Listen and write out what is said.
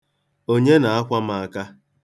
Onye na-akwa m aka?